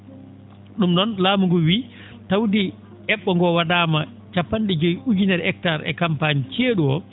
?um noon laamu nguu wii tawde e??o ngoo wa?aama cappan?e joyi ujunere hectares e campagne cee?u oo